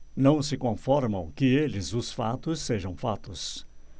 não se conformam que eles os fatos sejam fatos